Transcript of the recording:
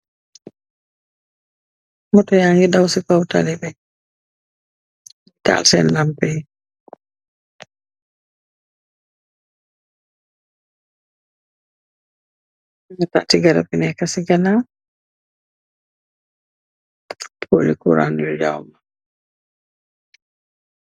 Auto ya ngee daw ci kaw tali bi, tahal sèèn lampú yii, am na tatti garap yu nekka ci ngaw, poli kura ñgu ngi taxaw.